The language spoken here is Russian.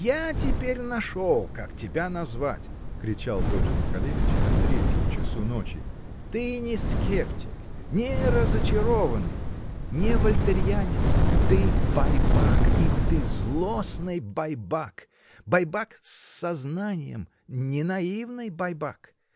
-- Я теперь нашел, как тебя назвать, -- кричал тот же Михалевич в третьем часу ночи, -- ты не скептик, не разочарованный, не вольтериянец, ты -- байбак, и ты злостный байбак, байбак с сознаньем, не наивный бай бак.